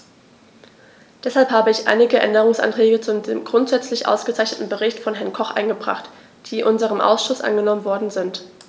Deshalb habe ich einige Änderungsanträge zu dem grundsätzlich ausgezeichneten Bericht von Herrn Koch eingebracht, die in unserem Ausschuss angenommen worden sind.